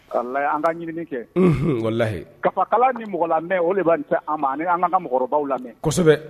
Kala an ka ɲini kɛ mɔgɔlayi kafakala ni mɔgɔla o de b'an tɛ ani anan ka mɔgɔbaw lamɛn